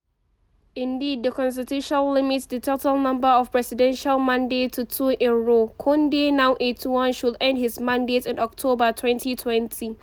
Indeed, the constitution limits the total number of presidential mandates to two in a row. Condé, now 81, should end his mandate in October 2020.